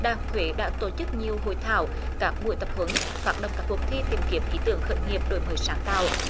đại học huế đã tổ chức nhiều hội thảo các buổi tập huấn phát động các cuộc thi tìm kiếm ý tưởng khởi nghiệp đổi mới sáng tạo